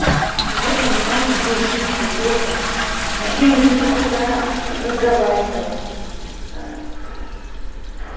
он причем начал душить сегодня мы с ним на часа полтора разговаривали